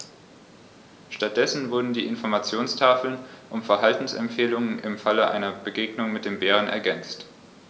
Stattdessen wurden die Informationstafeln um Verhaltensempfehlungen im Falle einer Begegnung mit dem Bären ergänzt.